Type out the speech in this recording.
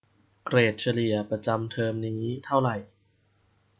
เกรดเฉลี่ยประจำเทอมนี้เท่าไหร่